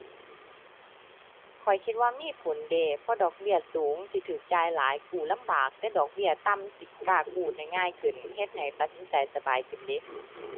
ข้อยคิดว่ามีผลเดะ เพราะดอกเบี้ยสูงสิถูกจ่ายหลาย กู้ลำบาก แต่ดอกเบี้ยต่ำสิกล้ากู้ได้ง่ายขึ้น เฮ็ดให้ตัดสินใจสบายขึ้นเดะ